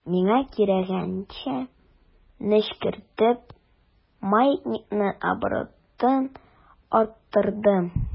Миңа кирәгенчә нечкәртеп, маятникның оборотын арттырдым.